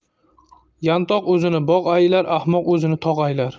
yantoq o'zini bog' aylar ahmoq o'zini tog' aylar